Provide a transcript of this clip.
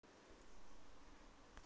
свое